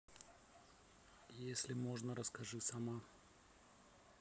если можно расскажи сама